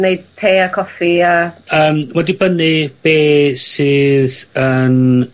neud te a coffi a...Yym ma'n dibynnu be' sydd yn